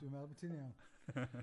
Dwi'n meddwl bo' ti'n iawn.